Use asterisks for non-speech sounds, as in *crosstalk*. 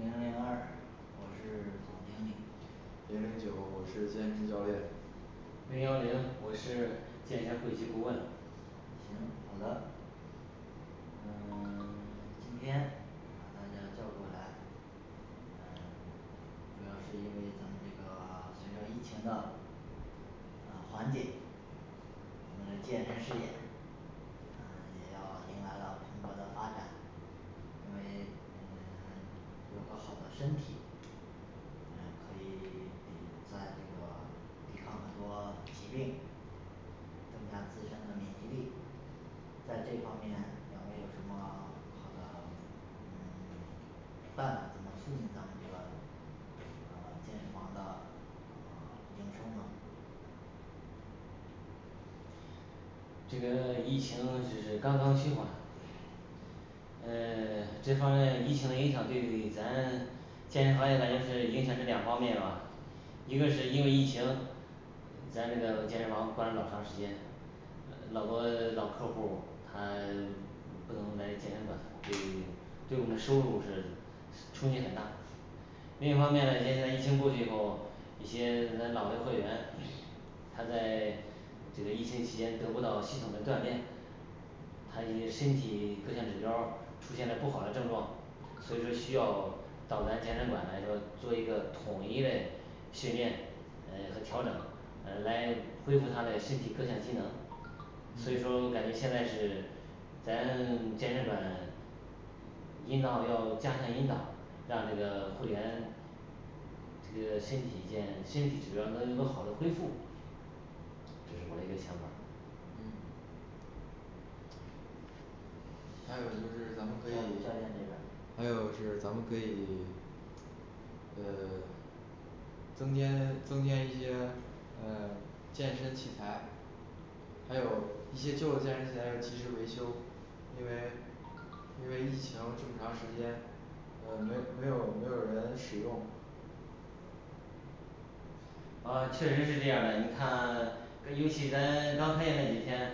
零零二我是总经理零零九我是健身教练零幺零我是健身会籍顾问行好的嗯 *silence* 今天把大家叫过来嗯 *silence* 主要是因为咱们这个随着疫情的嗯缓解咱们的健身事业,嗯也要迎来了蓬勃的发展。因为嗯 *silence* 有个好的身体呃可以抵在这个抵抗很多疾病,增强自身的免疫力在这方面两位有什么好的嗯 *silence* 办法能促进咱们这个嗯健身房的嗯营收呢这个疫情只是刚刚趋缓嗯 *silence* 这方面疫情影响对咱健身房我感觉影响是两方面吧一个是因为疫情咱这个健身房关了老长时间呃老多老客户儿他 *silence* 不能来健身馆所以对我们的收入是冲击很大另外一方面现在疫情过去后，一些老的会员他在这个疫情期间得不到系统的锻炼他一些身体各项指标儿出现了不好的症状，所以说需要到咱健身馆来个做一个统一嘞训练呃和调整呃来恢复他嘞身体各项机能所以说我嗯感觉现在是咱健身馆引导要加强引导让这个会员,这个身体呃身体主要能有一个好的恢复这是我的一个想法儿嗯还有就是咱们教教可以练这边儿还有是咱们可以呃 *silence* 增添增添一些呃健身器材还有一些旧的健身器材要及时维修因为因为疫情这么长时间呃没没有没有人使用呃确实是这样的你看 *silence* 跟尤其咱刚开业那几天